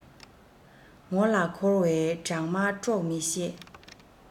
ངོ ལ འཁོར བའི སྦྲང མ དཀྲོག མི ཤེས